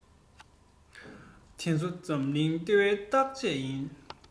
དེ ཚོ འཛམ གླིང ལྟེ བའི བརྟག དཔྱད ཡིན